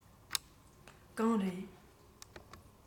གང རེད